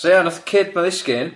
So ia nath kid 'ma ddisgyn...